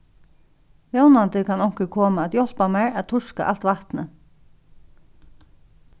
vónandi kann onkur koma at hjálpa mær at turka alt vatnið